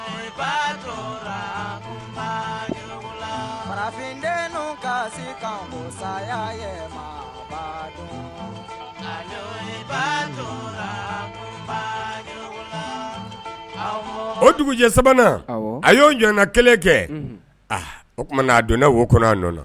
Fin o dugujɛ sabanan a y'o jɔn kelen kɛ o tumaumana aa donna wo kɔnɔ nɔ